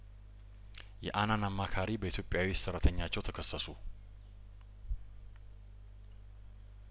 የአናን አማካሪ በኢትዮጵያዊ ሰራተኛቸው ተከሰሱ